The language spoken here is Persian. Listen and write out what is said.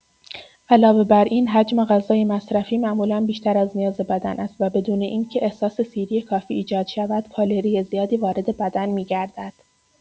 علاوه بر این، حجم غذای مصرفی معمولا بیشتر از نیاز بدن است و بدون اینکه احساس سیری کافی ایجاد شود، کالری زیادی وارد بدن می‌گردد.